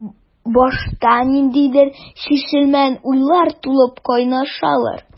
Башта ниндидер чишелмәгән уйлар тулып кайнашалар.